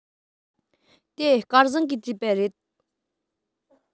དེ སྐལ བཟང གིས བྲིས པ རེད